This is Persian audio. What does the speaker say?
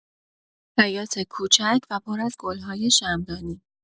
حیاط کوچک و پر از گل‌های شمعدانی